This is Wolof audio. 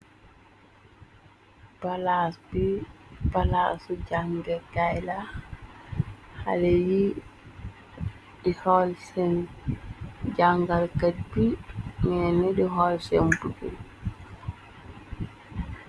palaasu jànge kayla xale yi di xoll seen jàngalkat bi ngenne di xool sen bugi